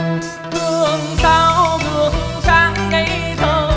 thương sao gương sáng ngây thơ